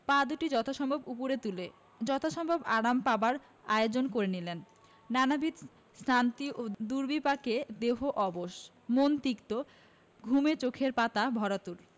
পা দুটি যথাসম্ভব উপরে তুলে যথাসম্ভব আরাম পাবার আয়োজন করে নিলেন নানাবিধ শ্রান্তি ও দুর্বিপাকে দেহ অবশ মন তিক্ত ঘুমে চোখের পাতা ভারাতুর